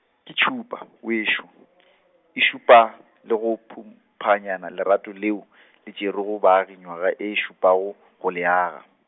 ke tšhupa wešo, e šupa le go phumphanya lerato leo , le tšerego, baagi nywaga e šupago, go le aga.